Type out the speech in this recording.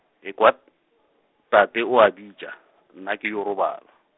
ekwa t-, tate o a bitša, nna ke yo robala.